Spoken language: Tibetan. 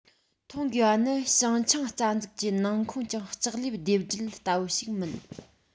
མཐོང དགོས པ ནི བྱང ཆིངས རྩ འཛུགས ཀྱི ནང ཁོངས ཀྱང ལྕགས ལེབ སྡེབ སྒྲིལ ལྟ བུ ཞིག མིན